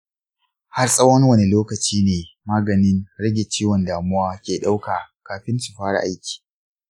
har tsawon wani lokaci ne maganin rage ciwon damuwa ke ɗauka kafin su fara aiki?